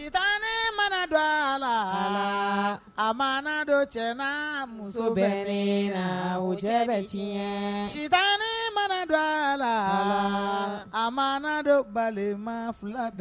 Tura mana dɔ a la a ma dɔ cɛ muso bɛ la o cɛ bɛ tiɲɛ situra mana dɔ a la a ma dɔ balima fila bɛɛ